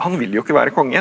han vil jo ikke være konge.